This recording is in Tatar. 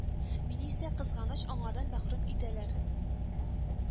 Мине исә, кызганыч, аңардан мәхрүм итәләр